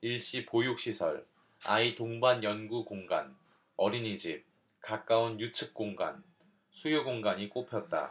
일시 보육시설 아이 동반 연구 공간 어린이집 가까운 유축공간 수유공간이 꼽혔다